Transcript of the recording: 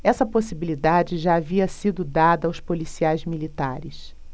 essa possibilidade já havia sido dada aos policiais militares